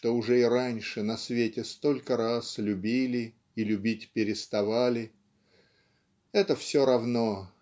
что уже и раньше на свете столько раз любили и любить переставали. Это все равно